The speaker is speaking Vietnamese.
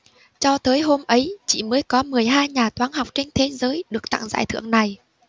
cho tới hôm ấy chỉ mới có mười hai nhà toán học trên thế giới được tặng giải thưởng này